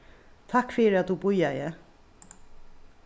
takk fyri at tú bíðaði